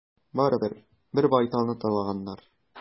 Барыбер, бер байталны талаганнар.